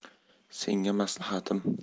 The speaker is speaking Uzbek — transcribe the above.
senga maslahatim